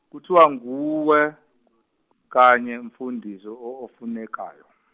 kuthiwa nguwe kanye Mfundisi o- ofunekayo.